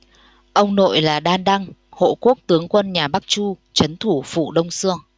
ông nội là đan đăng hộ quốc tướng quân nhà bắc chu trấn thủ phủ đông xương